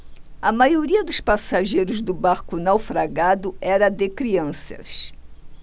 a maioria dos passageiros do barco naufragado era de crianças